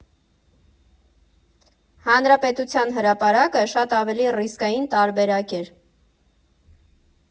Հանրապետության հրապարակը շատ ավելի ռիսկային տարբերակ էր։